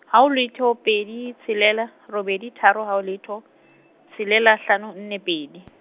haho letho pedi tshelela, robedi tharo haho letho , tshelela hlano nne pedi .